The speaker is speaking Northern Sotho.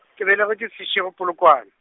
ke belegetšwe Seshego Polokwane.